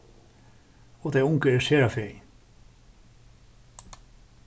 og tey ungu eru sera fegin